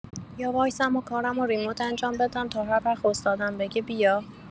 یا وایسم و کارمو ریموت انجام بدم تا هر وقت استادم بگه بیا؟